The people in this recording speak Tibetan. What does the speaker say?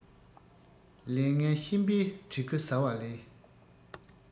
ལས ངན ཤན པའི དྲེག ཁུ བཟའ བ ལས